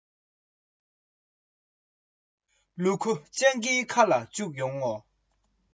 ལས འབྲས ཅན ལ མི ཡིས རྗེ དཔོན བསྐོས